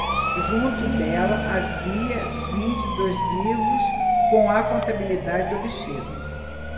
junto dela havia vinte e dois livros com a contabilidade do bicheiro